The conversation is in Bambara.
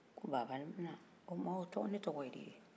ko baba n na o tuma ne tɔgɔ ye di de